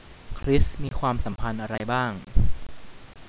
คริสมีความสัมพันธ์อะไรบ้าง